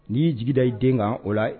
N'i y'i jigi da i den kan o la